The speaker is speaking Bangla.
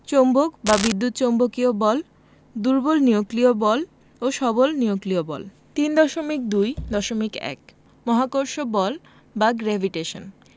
চৌম্বক বা বিদ্যুৎ চৌম্বকীয় বল দুর্বল নিউক্লিয় বল ও সবল নিউক্লিয় বল 3.2.1 মহাকর্ষ বল বা গ্রেভিটেশন